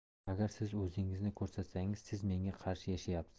agar siz o'zingizni ko'rsatsangiz siz menga qarshi yashayapsiz